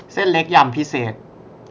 เส้นเล็กยำพิเศษ